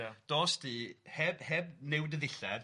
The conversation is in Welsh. dos di heb heb newid dy ddillad... Ia...